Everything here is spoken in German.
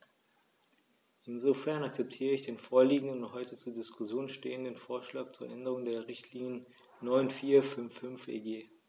Insofern akzeptiere ich den vorliegenden und heute zur Diskussion stehenden Vorschlag zur Änderung der Richtlinie 94/55/EG.